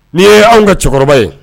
Nin ye anw ka cɛkɔrɔba ye